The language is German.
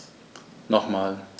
Nochmal.